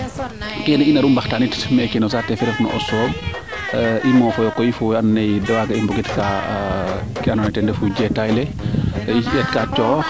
keene i naru mbaxtanit meeke no saate fe ref na o sooɓ i moofoyo koy fo wee ando naye den waaga i mbogit kaa ke ando naye ten ref jetaay le i eet ka coox